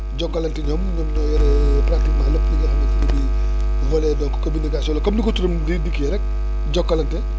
Jokalante ñoom ñoom ñoo yore pratiquement lépp li nga xamante ne bii volet donc communication la comme ni ko turam di dikkee rek Jokalante